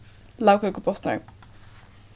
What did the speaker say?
lagkøkubotnar